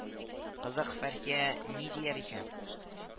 Кызык, Фәрхия ни дияр икән